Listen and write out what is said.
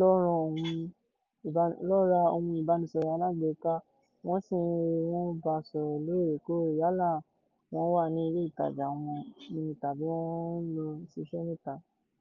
lọ ra ohun ìbánisọ̀rọ̀ alágbéká, wọ́n sì ń rí wọn bá sọ̀rọ̀ lore-kóòrè yálà wọ́n wà ní ilé ìtajà wọn ni tàbí wọn lọ ṣiṣẹ́ níta.